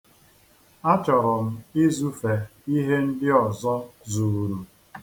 Achọrọ m izufe ihe ndị ọzọ zuuru.